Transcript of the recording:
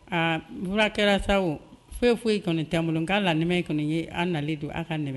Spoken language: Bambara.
Aaura kɛra sa foyi foyi e kɔni t bolo k'a la nɛmɛ in kɔni ye an nalen don an ka nɛ